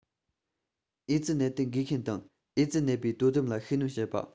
ཨེ ཙི ནད དུག འགོས མཁན དང ཨེ ཙི ནད པའི དོ དམ ལ ཤུགས སྣོན བྱེད པ